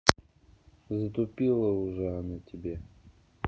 затупила уже она тебе